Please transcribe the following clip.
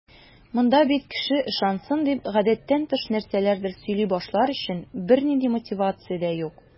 Монда бит кеше ышансын дип, гадәттән тыш нәрсәләрдер сөйли башлар өчен бернинди мотивация дә юк.